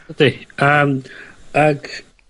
Ydi, yym ag